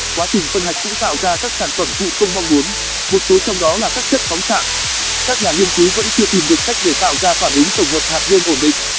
quá trình phân hạch cũng tạo ra các sản phẩm phụ không mong muốn một số trong đó là các chất phóng xạ các nhà nghiên cứu vẫn chưa tìm được cách để tạo ra phản ứng tổng hợp hạt nhân ổn định